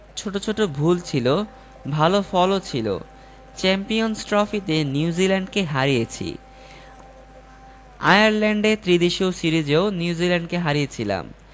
ছোট ছোট ভুল ছিল ভালো ফলও ছিল চ্যাম্পিয়নস ট্রফিতে নিউজিল্যান্ডকে হারিয়েছি আয়ারল্যান্ডে ত্রিদেশীয় সিরিজেও নিউজিল্যান্ডকে হারিয়েছিলাম